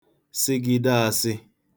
sịgide āsị̄